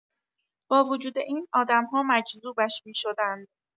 با وجود این، آدم‌ها مجذوبش می‌شدند.